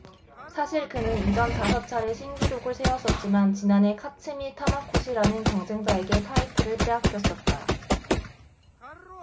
사실 그는 이전 다섯 차례 신기록을 세웠었지만 지난해 카츠미 타마코시라는 경쟁자에게 타이틀을 빼앗겼었다